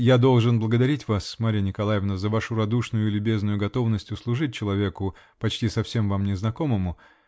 -- Я должен благодарить вас, Марья Николаевна, за вашу радушную и любезную готовность услужить человеку, почти совсем вам незнакомому .